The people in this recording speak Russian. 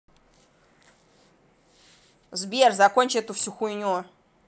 сбер закончи эту всю хуйню